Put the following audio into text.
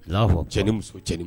N'a fɔ cɛ ni muso cɛn ma